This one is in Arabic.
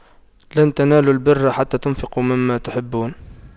لَن تَنَالُواْ البِرَّ حَتَّى تُنفِقُواْ مِمَّا تُحِبُّونَ